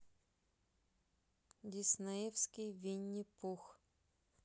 диснеевский винни пух